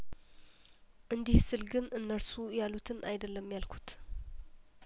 እንዲህ ስል ግን እነርሱ ያሉትን አይደለም ያልኩት